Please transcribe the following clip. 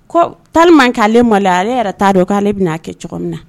Ko ta ma k'ale mali ale yɛrɛ t'a dɔn'ale bɛna'a kɛ cogo min na